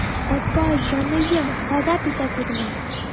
Апа җаныем, харап итә күрмә.